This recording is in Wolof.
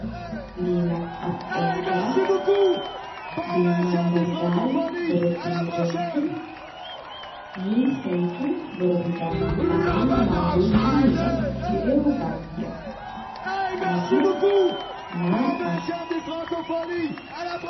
Li nak am ekela bi bandargal berembi nyu denka nyi seatu berembi jangeh kai yi nagul lo nyui deff si reewi Gambia modi naqaa